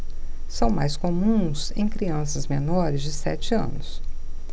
são mais comuns em crianças menores de sete anos